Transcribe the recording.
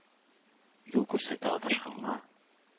Юл күрсәтә адашканга